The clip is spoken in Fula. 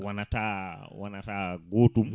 wonata wonata gotum